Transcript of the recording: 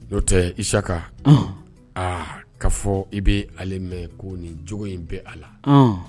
N'o tɛ isaka aa ka fɔ i bɛ ale mɛn ko nin cogo in bɛ a la